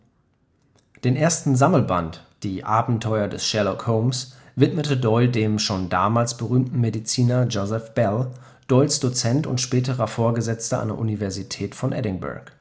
Den ersten Sammelband Die Abenteuer des Sherlock Holmes widmete Doyle dem schon damals berühmten Mediziner Joseph Bell, Doyles Dozent und späterer Vorgesetzter an der Universität von Edinburgh